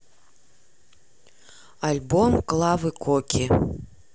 альбом клавы коки